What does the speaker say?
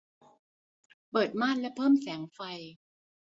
เปิดม่านและเพิ่มแสงไฟ